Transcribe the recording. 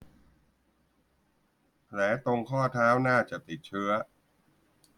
แผลตรงข้อเท้าน่าจะติดเชื้อ